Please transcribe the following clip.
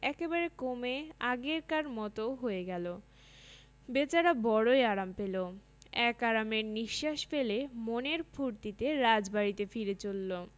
একেবারে কমে আগেকার মতো হয়ে গেল বেচারা বড়োই আরাম পেল এক আরামের নিঃশ্বাস ফেলে মনের ফুর্তিতে রাজবাড়িতে ফিরে চলল